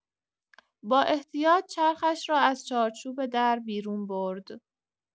با احتیاط چرخش را از چهارچوب در بیرون برد.